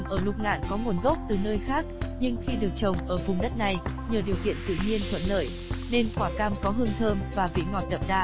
cây cam ở lục ngạn có nguồn gốc từ nơi khác nhưng khi được trồng ở vùng đất này nhờ điều kiện tự nhiên thuận lợi nên quả cam có hương thơm vị ngọt đậm đà